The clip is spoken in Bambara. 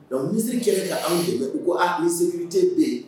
Donc, ministre kɛlen ka anw dɛmɛ, u ko aa securité bɛ yen